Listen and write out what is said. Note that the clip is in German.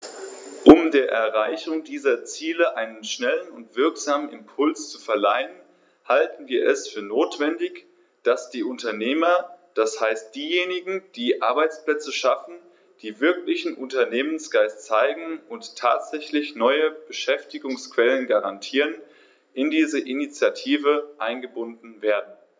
Um der Erreichung dieser Ziele einen schnellen und wirksamen Impuls zu verleihen, halten wir es für notwendig, dass die Unternehmer, das heißt diejenigen, die Arbeitsplätze schaffen, die wirklichen Unternehmergeist zeigen und tatsächlich neue Beschäftigungsquellen garantieren, in diese Initiative eingebunden werden.